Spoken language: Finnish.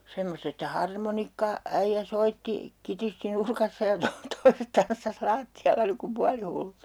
semmoista että - harmonikkaäijä soitti kitisti nurkassa ja - toiset tanssasi lattialla niin kuin puolihullut